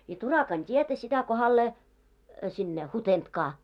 ja Turakan tietä sitä kohdalleen sinne Hutentkaan